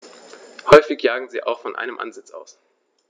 Häufig jagen sie auch von einem Ansitz aus.